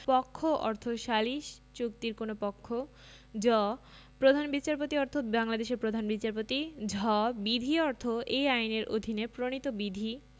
পক্ষ অর্থ সালিস চুক্তির কোন পক্ষ জ প্রধান বিচারপতি অর্থ বাংলাদেমের প্রধান বিচারপতি ঝ বিধি অর্থ এই আইনের অধীনে প্রণীত বিধি